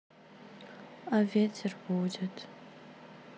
а ветер будет